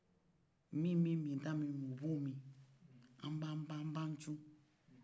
mi bɛ min ta mi min o b'o min an b'a pan an b'a cun